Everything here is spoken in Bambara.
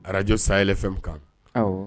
Araj sayay fɛn kan